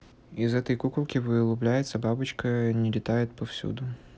из этой куколки вылупляется бабочка не летает повсюду